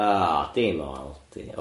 O, dim o Aldi.